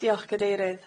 Diolch gadeirydd.